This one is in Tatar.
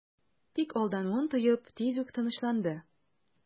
Тик алдануын тоеп, тиз үк тынычланды...